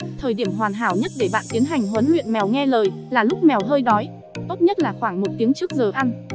thời điểm hoàn hảo nhất để bạn tiến hành huấn luyện mèo nghe lời là lúc mèo hơi đói tốt nhất là khoảng tiếng trước giờ ăn